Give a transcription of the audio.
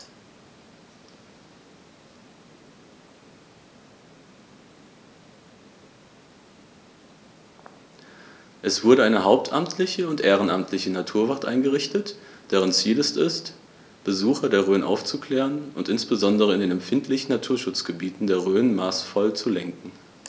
Es wurde eine hauptamtliche und ehrenamtliche Naturwacht eingerichtet, deren Ziel es ist, Besucher der Rhön aufzuklären und insbesondere in den empfindlichen Naturschutzgebieten der Rhön maßvoll zu lenken.